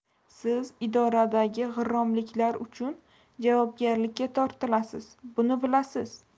siz idoradagi g'irromliklar uchun javobgarlikka tortilasiz buni bilasiz